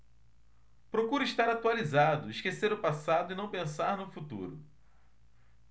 procuro estar atualizado esquecer o passado e não pensar no futuro